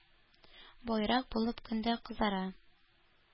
Байрак булып көн дә кызара.